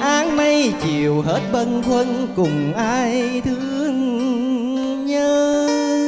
áng mây chiều hết bâng khuâng cùng ai thương nhớ